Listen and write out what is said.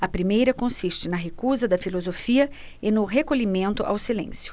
a primeira consiste na recusa da filosofia e no recolhimento ao silêncio